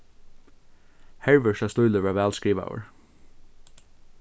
hervørsa stílur var væl skrivaður